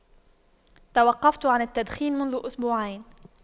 توقفت عن التدخين منذ أسبوعين